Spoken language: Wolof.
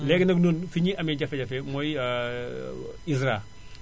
léegi nag ñun fi ñuy amee jafe-jafe mooy ISRA